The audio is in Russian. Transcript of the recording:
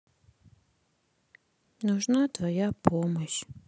нужна твоя помощь